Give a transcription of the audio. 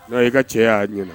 N i ka cɛ y' ɲ